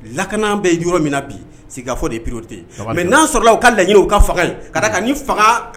Lakkan bɛ yɔrɔ min bi sigi fɔ de ppiorote mɛ' sɔrɔla ka laɲiniw ka